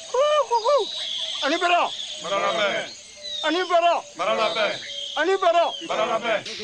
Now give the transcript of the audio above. kuukuku, ani baara, baara labɛn, ani baara, baara labɛn, ani baara, baara labɛn